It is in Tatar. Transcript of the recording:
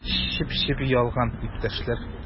Чеп-чи ялган, иптәшләр!